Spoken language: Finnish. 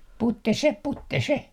putte se putte se